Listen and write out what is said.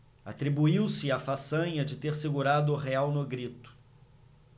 atribuiu-se a façanha de ter segurado o real no grito